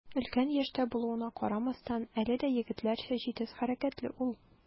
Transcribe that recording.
Өлкән яшьтә булуына карамастан, әле дә егетләрчә җитез хәрәкәтле ул.